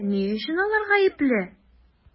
Ә ни өчен алар гаепле?